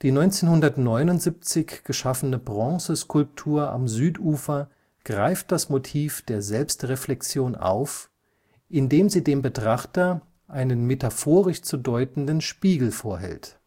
1979 geschaffene Bronzeskulptur am Südufer greift das Motiv der Selbstreflexion auf, indem sie dem Betrachter einen metaphorisch zu deutenden Spiegel vorhält